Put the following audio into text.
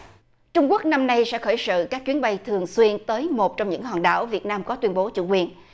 trung quốc năm nay sẽ khởi sự các chuyến bay thường xuyên tới một trong những hòn đảo việt nam có tuyên bố chủ quyền